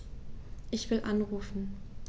Ich will anrufen.